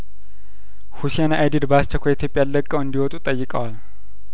ሁሴን አይዲድ በአስቸኳይኢትዮጵያን ለቀው እንዲ ወጡም ጠይቀዋል